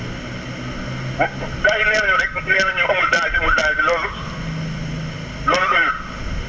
gars yi nee nañ rek nee nañ amul danger amul danger loolu loolu doyul